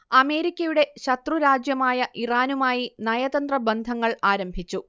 അമേരിക്കയുടെ ശത്രുരാജ്യമായ ഇറാനുമായി നയതന്ത്ര ബന്ധങ്ങൾ ആരംഭിച്ചു